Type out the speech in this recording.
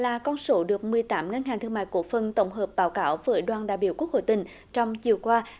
là con số được mười tám ngân hàng thương mại cổ phần tổng hợp báo cáo với đoàn đại biểu quốc hội tỉnh trong chiều qua